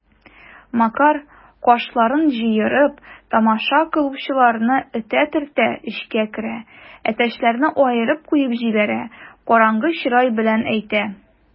Макар, кашларын җыерып, тамаша кылучыларны этә-төртә эчкә керә, әтәчләрне аерып куып җибәрә, караңгы чырай белән әйтә: